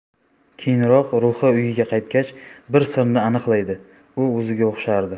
keyinroq ruhi uyiga qaytgach bir sirni aniqlaydi u o'ziga o'xshardi